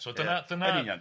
so dyna dyna yn union.